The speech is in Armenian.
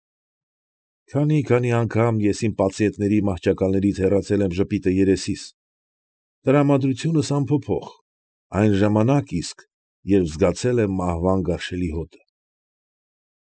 Քանի֊քանի անգամ ես իմ պացիենտների մահճակալներից հեռացել եմ ժպիտն երեսիս, տրամադրությունս անփոփոխ, այն ժամանակ իսկ, երբ զգացել եմ մահվան գարշելի հոտը։